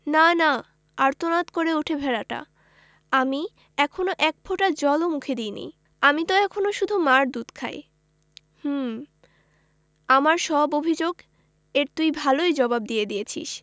না না আর্তনাদ করে ওঠে ভেড়াটা আমি এখনো এক ফোঁটা জল ও মুখে দিইনি আমি ত এখনো শুধু মার দুধ খাই হুম আমার সব অভিযোগ এর তুই ভালই জবাব দিয়ে দিয়েছিস